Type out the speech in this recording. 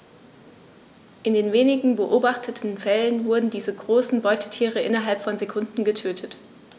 In den wenigen beobachteten Fällen wurden diese großen Beutetiere innerhalb von Sekunden getötet.